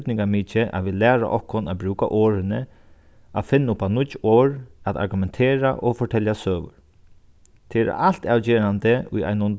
týdningarmikið at vit læra okkum at brúka orðini at finna upp á nýggj orð at argumentera og fortelja søgur tað er altavgerandi í einum